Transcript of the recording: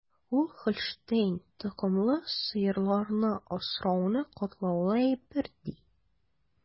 Ул Һолштейн токымлы сыерларны асрауны катлаулы әйбер, ди.